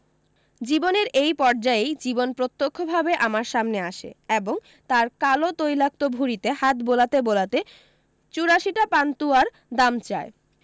জীবনের এই পর্যায়েই জীবন প্রত্যক্ষ ভাবে আমার সামনে আসে এবং তার কালো তৈলাক্ত ভুঁড়িতে হাত বোলাতে বোলাতে চুরাশিটা পান্তুয়ার দাম চায়